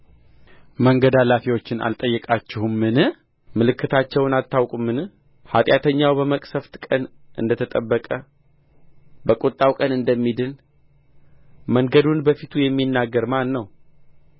መንገድ አላፊዎችን አልጠየቃችሁምን ምልክታቸውን አታውቁምን ኃጢአተኛው በመቅሠፍት ቀን እንደ ተጠበቀ በቍጣው ቀን እንደሚድን መንገዱን በፊቱ የሚናገር ማን ነው